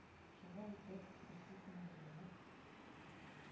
Шулай итеп, без тиз генә җыенып,